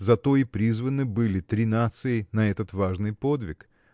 Зато и призваны были три нации на этот важный подвиг.